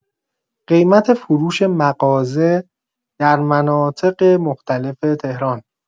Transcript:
قیمت فروش مغازه در مناطق مختلف تهران